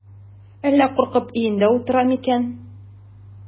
Әллә куркып өендә утырамы икән?